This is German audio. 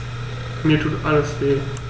Mir tut alles weh.